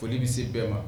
Foli bɛ se bɛɛ ma